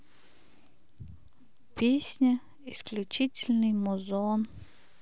песня исключительный музон